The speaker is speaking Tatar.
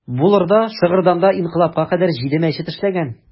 Булыр да, Шыгырданда инкыйлабка кадәр җиде мәчет эшләгән.